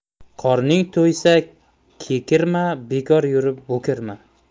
qorning to'ysa kekirma bekor yurib bo'kirma